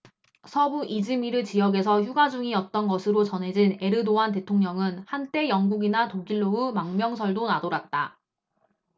서부 이즈미르 지역에서 휴가 중이었던 것으로 전해진 에르도안 대통령은 한때 영국이나 독일로의 망명설도 나돌았다